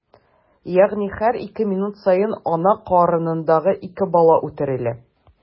Ягъни һәр ике минут саен ана карынындагы ике бала үтерелә.